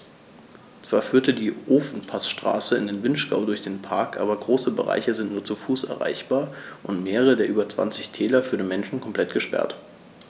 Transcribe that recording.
Zwar führt die Ofenpassstraße in den Vinschgau durch den Park, aber große Bereiche sind nur zu Fuß erreichbar und mehrere der über 20 Täler für den Menschen komplett gesperrt.